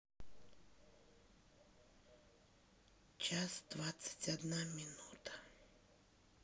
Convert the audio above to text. час двадцать одна минута